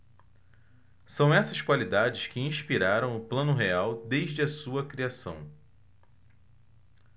são essas qualidades que inspiraram o plano real desde a sua criação